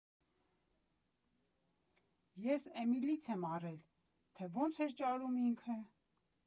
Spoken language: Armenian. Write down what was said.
Ես Էմիլից եմ առել, թե ո՜նց էր ճարում ինքը։